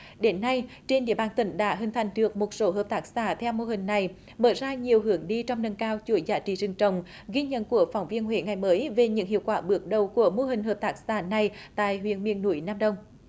đến nay trên địa bàn tỉnh đã hình thành được một số hợp tác xã theo mô hình này mở ra nhiều hướng đi trong nâng cao chuỗi giá trị rừng trồng ghi nhận của phóng viên huế ngày mới về những hiệu quả bước đầu của mô hình hợp tác xã này tại huyện miền núi nam đông